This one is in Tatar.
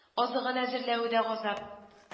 Азыгын әзерләве дә газап